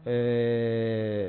Un